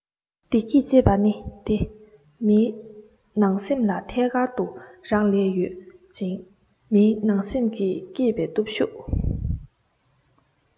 བདེ སྐྱིད ཅེས པ ནི དེ མིའི ནང སེམས ལ ཐད ཀར དུ རག ལས ཡོད ཅིང མིའི ནང སེམས ཀྱིས བསྐྱེད པའི སྟོབས ཤུགས